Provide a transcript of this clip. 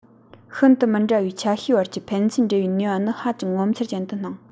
ཤིན དུ མི འདྲ བའི ཆ ཤས བར གྱི ཕན ཚུན འབྲེལ བའི ནུས པ ནི ཧ ཅང ངོ མཚར ཅན དུ སྣང